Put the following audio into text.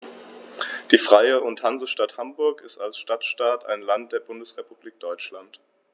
Die Freie und Hansestadt Hamburg ist als Stadtstaat ein Land der Bundesrepublik Deutschland.